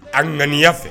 A ŋaniya fɛ